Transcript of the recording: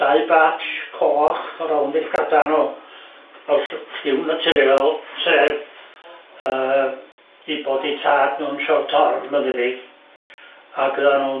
dau batch coch rownd i llgada n'w o ll- lliw nauriol sef yy i bod i tad n'w'n short horn mae'n debyg ag o'dda n'w